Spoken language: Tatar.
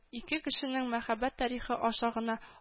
Ике кешенең мәхәббәт тарихы аша гына